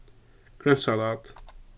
grønt salat